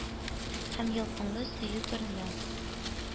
Һәм ялкынлы сөюе турында.